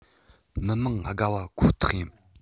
མི མང དགའ བ ཁོ ཐག ཡིན